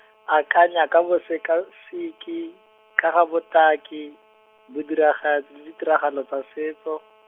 akanya ka bosekaseki, ka ga botaki, bodiragatsi le ditiragalo tsa setso.